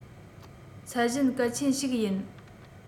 ཚད གཞི གལ ཆེན ཞིག ཡིན